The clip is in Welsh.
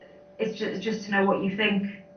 it's jus- just to know what you think.